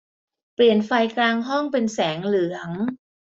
เปลี่ยนไฟกลางห้องเป็นแสงเหลือง